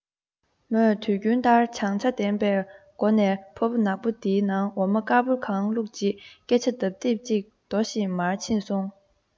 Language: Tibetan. མོས དུས རྒྱུན ལྟར བྱང ཆ ལྡན པའི སྒོ ནས ཕོར པ ནག པོ དེའི ནང འོ མ དཀར པོ གང བླུགས རྗེས སྐད ཆ ལྡབ ལྡིབ ཅིག ཟློ བཞིན མར ཕྱིན སོང